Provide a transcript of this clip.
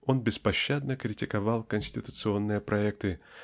он беспощадно критиковал конституционные проекты